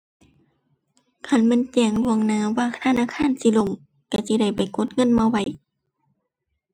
คันแม่นแจ้งล่วงหน้าว่าธนาคารสิล่ม ก็สิได้ไปกดเงินมาไว้